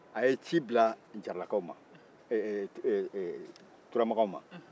a ye ci bila turamakanw ma